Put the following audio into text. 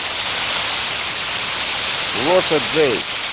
лоша джей